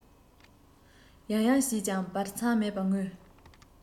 ཡང ཡང བྱས ཀྱང བར མཚམས མེད པར ངུས